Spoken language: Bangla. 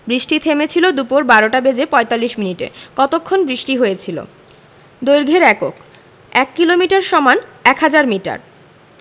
বৃষ্টি থেমেছিল দুপুর ১২টা বেজে ৪৫ মিনিটে কতক্ষণ বৃষ্টি হয়েছিল দৈর্ঘ্যের এককঃ ১ কিলোমিটার = ১০০০ মিটার